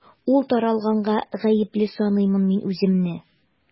Ул таралганга гаепле саныймын мин үземне.